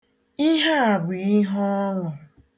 Ihe a bụ ihe ọṅụ̀